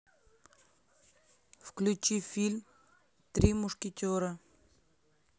включи фильм три мушкетера